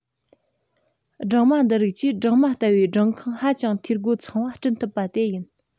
སྦྲང མ འདི རིགས ཀྱིས སྦྲང མ ལྟ བུའི སྦྲང ཁང ཧ ཅང འཐུས སྒོ ཚང བ སྐྲུན ཐུབ པ དེ ཡིན